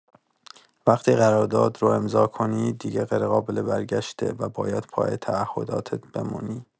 وقتی قرارداد رو امضا کنی، دیگه غیرقابل‌برگشته و باید پای تعهداتت بمونی.